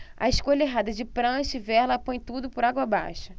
a escolha errada de prancha e vela põe tudo por água abaixo